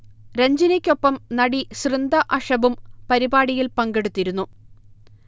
രഞ്ജിനിയ്ക്കൊപ്പം നടി സൃന്ദ അഷബും പരിപാടിയിൽ പങ്കെടുത്തിരുന്നു